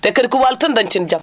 te kadi ko waalo tan dañaten jam